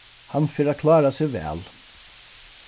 hann fer at klára seg væl